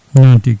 noon tigui